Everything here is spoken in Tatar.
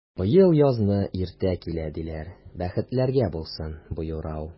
Быел язны иртә килә, диләр, бәхетләргә булсын бу юрау!